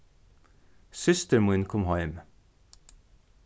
systir mín kom heim